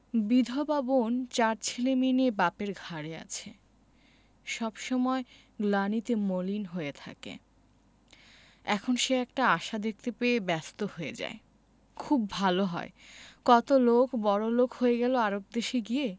বিধবা বোন চার ছেলেমেয়ে নিয়ে বাপের ঘাড়ে আছে সব সময় গ্লানিতে মলিন হয়ে থাকে এখন সে একটা আশা দেখতে পেয়ে ব্যস্ত হয়ে যায় খুব ভালো হয় কত লোক বড়লোক হয়ে গেল আরব দেশে গিয়ে